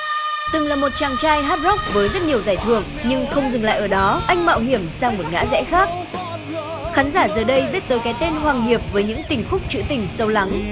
từng là một chàng trai hát rốc với rất nhiều giải thưởng nhưng không dừng lại ở đó anh mạo hiểm sang một ngã rẽ khác khán giả giờ đây biết tới cái tên hoàng hiệp với những tình khúc trữ tình sâu lắng